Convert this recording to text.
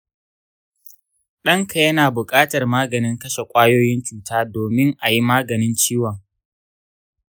ɗanka yana buƙatar maganin kashe ƙwayoyin cuta domin a yi maganin ciwon.